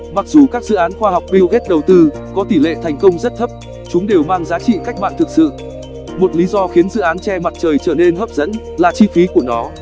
mặc dù các dự án khoa học bill gates đầu tư có tỷ lệ thành công rất thấp chúng đều mang giá trị cách mạng thực sự một lý do khiến dự án che mặt trời trở nên hấp dẫn là chi phí của nó